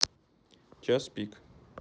часпик